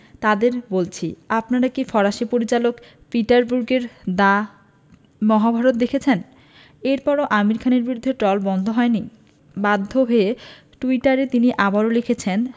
তাঁদের বলছি আপনারা কি ফরাসি পরিচালক পিটার ব্রুকের “দ্য মহাভারত” দেখেছেন এরপরও আমির খানের বিরুদ্ধে ট্রল বন্ধ হয়নি বাধ্য হয়ে টুইটারে তিনি আবারও লিখেছেন